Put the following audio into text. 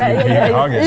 i hagen.